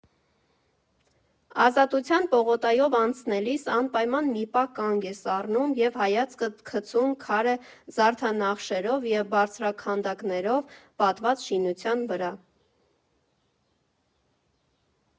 Ազատության պողոտայով անցնելիս անպայման մի պահ կանգ ես առնում և հայացքդ գցում քարե զարդանախշերով և բարձրաքանդակներով պատված շինության վրա։